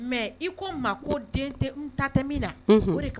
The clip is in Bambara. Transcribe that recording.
Mɛ i ko maa ko den tɛ ta tɛmɛ min na o de